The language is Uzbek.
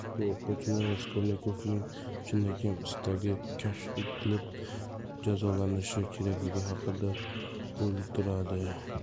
bu o'quvchini raskolnikovning chinakam istagi kashf etilib jazolanishi kerakligi haqida o'ylantiradi